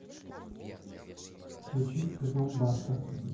включи альбом баста